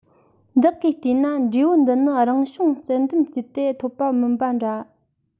བདག གིས བལྟས ན འབྲས བུ འདི ནི རང བྱུང བསལ འདེམས བརྒྱུད དེ ཐོབ པ མིན པ འདྲ